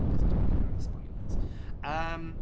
Because I don't want to give you any spoilers. Yym